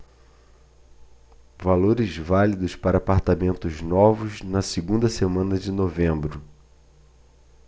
valores válidos para apartamentos novos na segunda semana de novembro